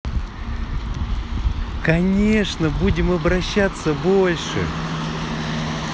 конечно будем общаться больше